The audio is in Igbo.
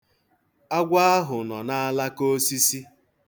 Agwọ ahụ nọ n'alaka osisi.